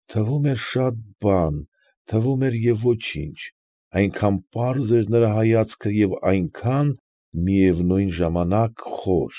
Թվում էր շատ բան, թվում էր և ոչինչ, այնքան պաղ էր նրա հայացքը և այնքան, միևնույն ժամանակ, խոր։